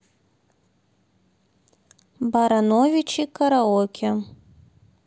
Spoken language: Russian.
барановичи караоке